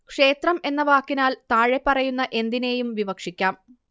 ക്ഷേത്രം എന്ന വാക്കിനാൽ താഴെപ്പറയുന്ന എന്തിനേയും വിവക്ഷിക്കാം